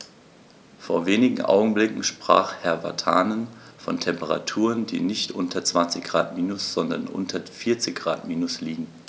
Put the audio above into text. Vor wenigen Augenblicken sprach Herr Vatanen von Temperaturen, die nicht nur unter 20 Grad minus, sondern unter 40 Grad minus liegen.